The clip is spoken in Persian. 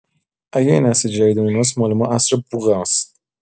اگه این عصر جدید اوناست مال ما عصر بوق هست.